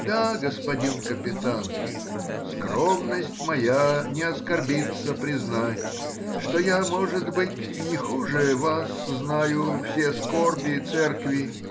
— Да, господин капитан, скромность моя не оскорбится признать, что я, может быть, не хуже вас знаю все скорби церкви